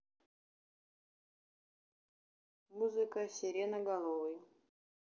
музыка сиреноголовый